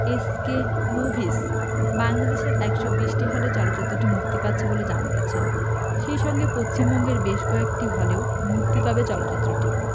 S K movies বাংলাদেশের ১২০টি হলে চলচ্চিত্রটি মুক্তি পাচ্ছে বলে জানা গেছে সেই সঙ্গে পশ্চিমবঙ্গের বেশ কয়েকটি হলেও মুক্তি পাবে চলচ্চিত্রটি